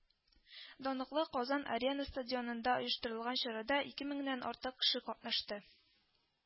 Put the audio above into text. Данлыклы Казан-Арена стадионында оештырылган чарада ике меңнән артык кеше катнашты